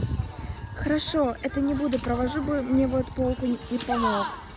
хорошо это не буду провожу бы мне вот полку не помог